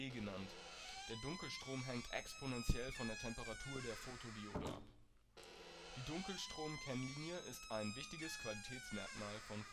genannt. Der Dunkelstrom hängt exponentiell von der Temperatur der Photodiode ab. Die Dunkelstromkennlinie ist ein wichtiges Qualitätsmerkmal von